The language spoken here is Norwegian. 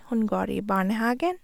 Hun går i barnehagen.